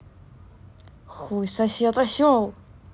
хуй сосед осел